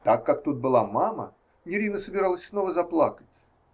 Так как тут была мама, Нерина собиралась снова заплакать.